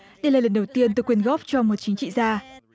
đây là lần đầu tiên tôi quyên góp cho một chính trị gia